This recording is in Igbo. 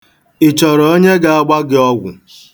Ị chọrọ onye ga-agba gị ọgwụ?